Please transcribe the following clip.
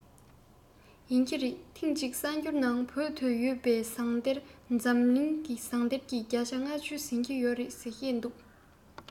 ཡིན གྱི རེད ཐེངས གཅིག གསར འགྱུར ནང དུ བོད དུ ཡོད པའི ཟངས གཏེར གྱིས འཛམ གླིང ཟངས གཏེར གྱི བརྒྱ ཆ ལྔ བཅུ ཟིན གྱི ཡོད ཟེར བཤད འདུག